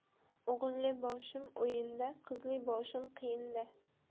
o'g'illi boshim o'yinda qizli boshim qiyinda